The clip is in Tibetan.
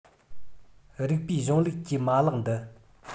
རིགས པའི གཞུང ལུགས ཀྱི མ ལག འདི